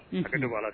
Hinɛ ne b' la